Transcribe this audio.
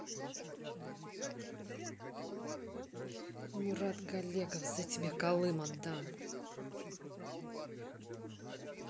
мурат галегов за тебя калым отдам